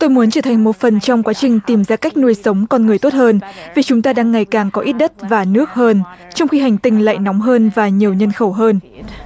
tôi muốn trở thành một phần trong quá trình tìm ra cách nuôi sống con người tốt hơn vì chúng ta đang ngày càng có ít đất và nước hơn trong khi hành tinh lại nóng hơn và nhiều nhân khẩu hơn